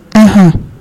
Ah